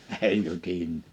ei jytinää